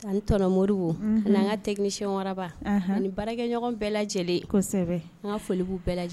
Ani tɔnɔ mori ani an ka tɛ niyɛnraba ani barakɛɲɔgɔn bɛɛ lajɛlen kosɛbɛ an ka folibu bɛɛ lajɛlen